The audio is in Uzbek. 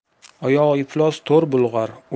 oyog'i iflos to'r bulg'ar